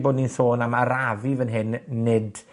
bo' ni'n sôn am arafu fan hyn, nid